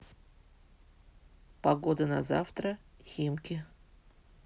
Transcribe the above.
погода на завтра химки